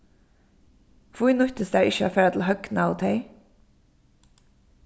hví nýttist tær ikki at fara til høgna og tey